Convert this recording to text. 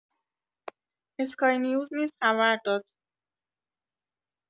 اسکای‌نیوز نیز خبر داد